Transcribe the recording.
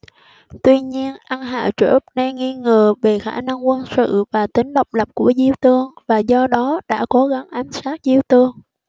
tuy nhiên ân hạo trở nên nghi ngờ về khả năng quân sự và tính độc lập của diêu tương và do đó đã cố gắng ám sát diêu tương